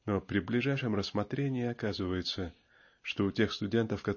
Но при ближайшем рассмотрении оказывается что и у тех студентов